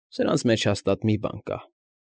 Սրանց մեջ հաստատ մի բան կա։